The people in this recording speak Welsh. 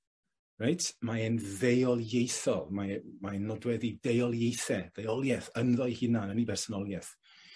Reit? Mae e'n ddeuoliaethol mae e- mae'n nodweddu deuolieithe deuolieth ynddo'i hunan yn 'i bersonolieth.